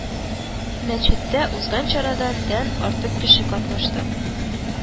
Мәчеттә узган чарада дән артык кеше катнашты